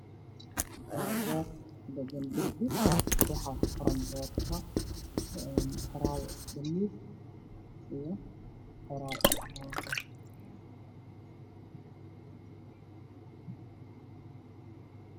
Meshaan waxaa yaalo Haan furkeda waa madow ayadana waa cadaan